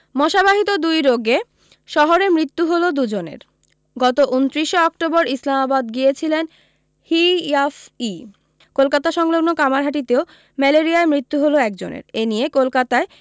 মশাবাহিত দুই রোগে শহরে মৃত্যু হল দুজনের গত উনত্রিশে অক্টোবর ইসলামাবাদ গিয়েছিলেন হি ইয়াফই কলকাতা সংলগ্ন কামারহাটিতেও ম্যালেরিয়ায় মৃত্যু হল একজনের এই নিয়ে কলকাতায়